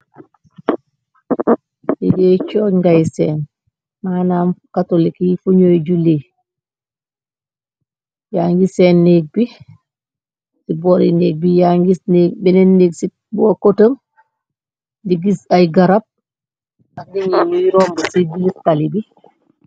liggéey cooj ngay seen maanaam katolik yi fuñuy julli yaa ngir seen nég bi ci boori néeg bi ya ngi nég beneen nég ci boo cotëm di gis ay garab daxdi nabi rook ci diir tali bi